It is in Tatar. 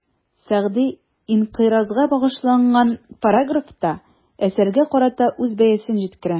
Сәгъди «инкыйраз»га багышланган параграфта, әсәргә карата үз бәясен җиткерә.